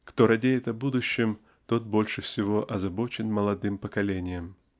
Кто радеет о будущем, тот больше всего озабочен молодым поколением.